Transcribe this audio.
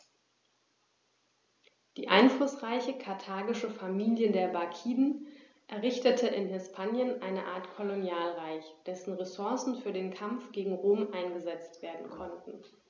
Die einflussreiche karthagische Familie der Barkiden errichtete in Hispanien eine Art Kolonialreich, dessen Ressourcen für den Kampf gegen Rom eingesetzt werden konnten.